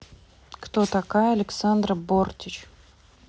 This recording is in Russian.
кто такая александра бортич